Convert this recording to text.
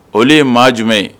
Olu ye maa jumɛn ye?